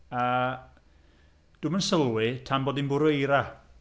A dwi ddim yn sylwi tan bod hi'n bwrw eira.